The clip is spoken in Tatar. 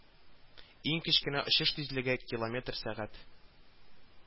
Иң кечкенә очыш тизлеге, километр сәгать